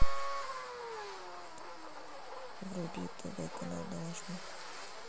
вруби тв канал домашний